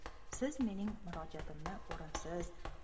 siz mening murojaatimni o'rinsiz